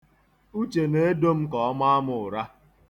Uche na-edo m ka ọ maa m ụra.